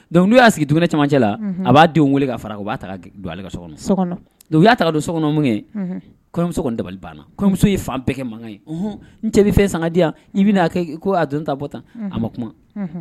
Donc n'u y'a sigi dukɛnɛ cɛmancɛ la unhun a b'a denw weele ka far'a kan u b'a ta ka g don ale ka sɔkɔnɔ sɔkɔnɔ donc u y'a taa ka don so kɔnɔ muŋɛ unhun kɔɲɔmuso kɔni dabali banna kɔɲɔmuso ye fan bɛɛ kɛ maŋan ye ɔnhɔn n cɛ bi fɛn san ka di yan i bɛna kɛ k i ko a don ta a bɔ ta unhun a ma kuma unhun